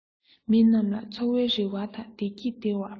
མི རྣམས ལ འཚོ བའི རེ བ དང བདེ སྐྱིད སྟེར བར མ ཟད